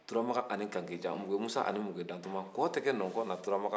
tura mankan ani kanke jan muke musa ani muke dantuma ko tigɛ nɔnkɔn na tura mankan